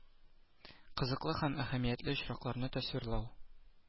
Кызыклы һәм әһәмиятле очракларны тасвирлау